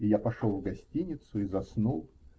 И я пошел в гостиницу и заснул.